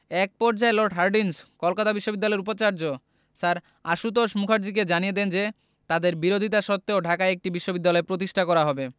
এক পর্যায়ে Lord Hardinge Kolkata বিশ্ববিদ্যালয়ের উপাচার্য স্যার আশুতোষ মুখার্জীকে জানিয়ে দেন যে তাঁদের বিরোধিতা সত্ত্বেও ঢাকায় একটি বিশ্ববিদ্যালয় প্রতিষ্ঠা করা হবে